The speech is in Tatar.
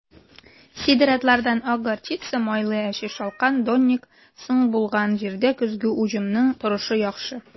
Сидератлардан (ак горчица, майлы әче шалкан, донник) соң булган җирдә көзге уҗымның торышы яхшы.